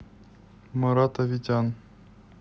марат авитян